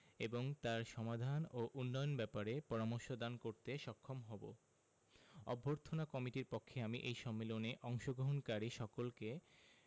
এবং তার সমাধান ও উন্নয়ন ব্যাপারে পরামর্শ দান করতে সক্ষম হবো অভ্যর্থনা কমিটির পক্ষে আমি এই সম্মেলনে অংশগ্রহণকারী সকলকে